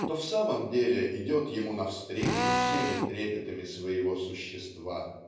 то в самом деле идет ему навстречу всеми трепетами своего существа.